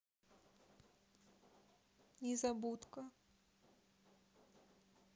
незабудка